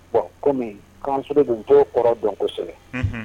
Kɔmi k'anso don' kɔrɔ dɔn kosɛbɛ